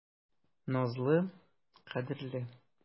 Назлы, кадерле.